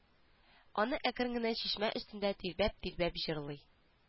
Аны әкрен генә чишмә өстендә тирбәп-тирбәп җырлый